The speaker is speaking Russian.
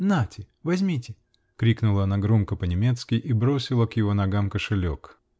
Нате, возьмите, -- крикнула она громко по-немецки и бросила к его ногам кошелек.